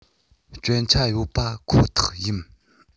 སྐྱོན ཆ ཡོད པ ཁོ ཐག ཡིན